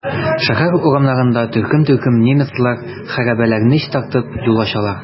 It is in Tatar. Шәһәр урамнарында төркем-төркем немецлар хәрабәләрне чистартып, юл ачалар.